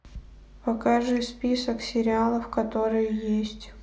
покажи список сериалов которые есть